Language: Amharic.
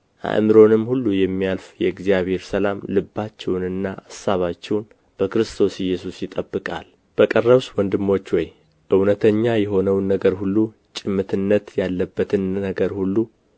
አእምሮንም ሁሉ የሚያልፍ የእግዚአብሔር ሰላም ልባችሁንና አሳባችሁን በክርስቶስ ኢየሱስ ይጠብቃል በቀረውስ ወንድሞች ሆይ እውነተኛ የሆነውን ነገር ሁሉ ጭምትነት ያለበትን ነገር ሁሉ